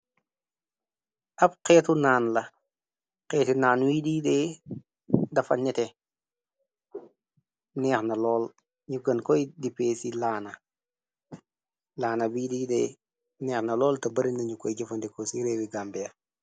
Ab xeetu naan la, xeeti naan wedde dafa nete neexna lool, ñuggan koy dipee ci laana, laana bidde neex na lool, te bari nañu koy jëfandikoo ci réewi Gambiya.